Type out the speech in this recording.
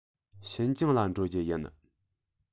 ཤིན ཅང ལ འགྲོ རྒྱུ ཡིན